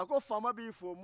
a ko faama b'i fo